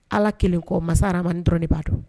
Ala 1 kɔ masa arahamani dɔrɔn de b'a dɔn